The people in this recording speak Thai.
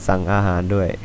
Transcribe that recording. สั่งอาหารด้วย